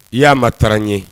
I y'a matara ɲe